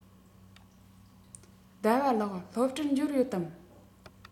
ཟླ བ ལགས སློབ གྲྭར འབྱོར ཡོད དམ